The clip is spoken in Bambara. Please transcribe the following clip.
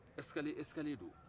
escalier escalier don